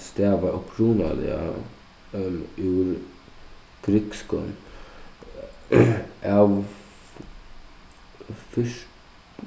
stavar upprunaliga úr grikskum av